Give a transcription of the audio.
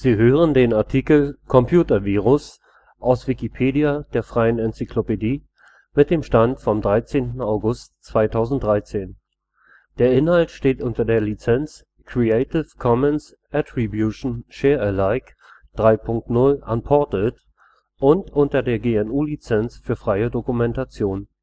hören den Artikel Computervirus, aus Wikipedia, der freien Enzyklopädie. Mit dem Stand vom Der Inhalt steht unter der Lizenz Creative Commons Attribution Share Alike 3 Punkt 0 Unported und unter der GNU Lizenz für freie Dokumentation